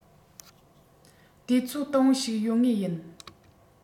དུས ཚོད དུམ བུ ཞིག ཡོད ངེས ཡིན